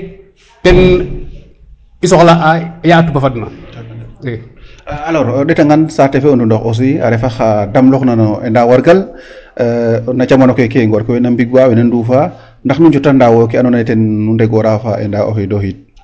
ten i soxla a ya tupa fad na i alors o ndeta ngan saate fe o Ndounokh aussi a refa xa dam loox na no ENDA wargal no camano keke wene mbig wa wene ndufa ndax nu njota ndaaw ke ando naye ten ndegora fo a ENDA o xido xiid